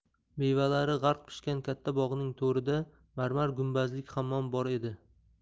mevalari g'arq pishgan katta bog'ning to'rida marmar gumbazlik hammom bor edi